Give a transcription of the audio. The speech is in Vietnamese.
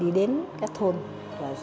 đi đến các thôn